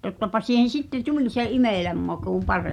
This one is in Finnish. tottapa siihen sitten tuli se imelän maku paremmin